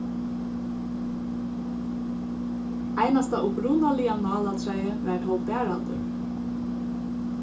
einasta upprunaliga nálatræið var tó baraldur